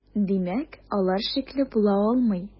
Димәк, алар шикле була алмый.